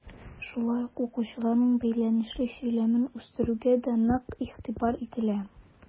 Шулай ук укучыларның бәйләнешле сөйләмен үстерүгә дә нык игътибар ителә.